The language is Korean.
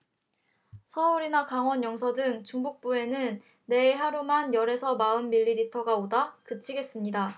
서울이나 강원 영서 등 중북부에는 내일 하루만 열 에서 마흔 밀리미터가 오다 그치겠습니다